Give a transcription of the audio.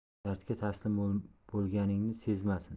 dardga taslim bo'lganingni sezmasin